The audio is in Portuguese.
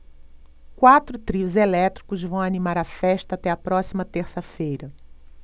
quatro trios elétricos vão animar a festa até a próxima terça-feira